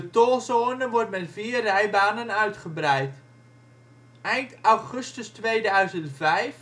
tolzone wordt met vier rijbanen uitgebreid. Eind augustus 2005